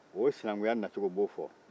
o sinankuya nacogo n b'o fɔ